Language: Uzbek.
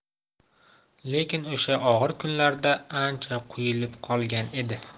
lekin o'sha og'ir kunlarda ancha quyilib qolgan edi